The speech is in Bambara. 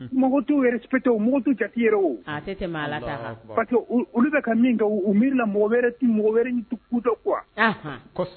Mɔgɔ t’u respecter ho mɔgɔ t’u jate yɛrɛ ho, a tɛ tɛmɛ Ala ta kan, Alahu akibaru , parce que olu bɛ min kɛ u miiri la mɔgɔ wɛrɛ mɔgɔ wɛrɛ tɛ ko don quoi